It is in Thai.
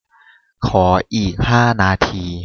ขออีกห้านาที